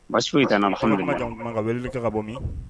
Baasisiw ka ka ka bɔ